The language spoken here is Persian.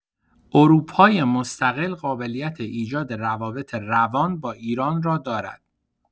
اروپای مستقل قابلیت ایجاد روابط روان با ایران را دارد.